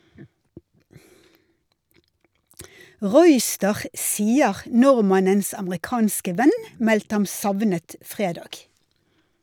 Royster sier nordmannens amerikanske venn meldte ham savnet fredag.